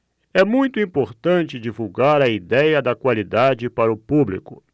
é muito importante divulgar a idéia da qualidade para o público